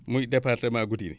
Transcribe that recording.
muy département Goudiri